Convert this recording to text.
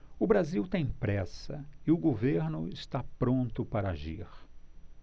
o brasil tem pressa e o governo está pronto para agir